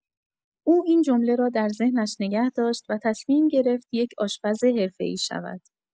او این جمله را در ذهنش نگه داشت و تصمیم گرفت یک آشپز حرفه‌ای شود.